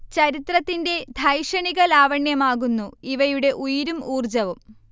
ചരിത്രത്തിന്റെ ധൈഷണിക ലാവണ്യമാകുന്നു ഇവയുടെ ഉയിരും ഊർജ്ജവും